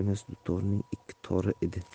emas dutorning ikki tori edi